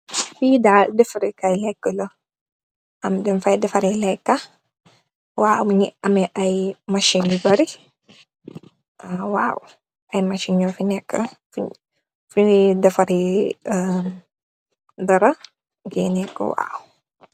Fi daal defareh jaay leka la den fay defarex leka am de fay defereh kai leka waw mogi ameh ay machine yu bari ay machine noofi neka neka defareh dra geneko waw.